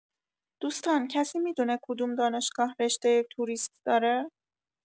دوستان کسی می‌دونه کدوم دانشگاه رشته توریست داره؟